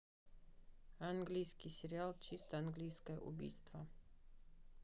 английский сериал чисто английское убийство